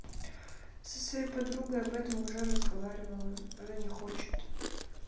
со своей подругой об этом уже разговаривала она не хочет